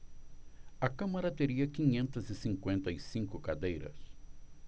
a câmara teria quinhentas e cinquenta e cinco cadeiras